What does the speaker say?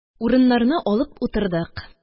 Урыннарны алып утырдык.